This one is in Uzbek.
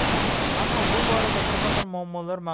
ammo bu borada bir qator muammolar mavjud